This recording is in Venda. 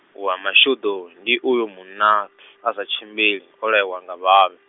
wa mashudu, ndi uyo munna, a tshimbili, o laiwa nga vhavhi.